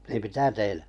niin mitä tein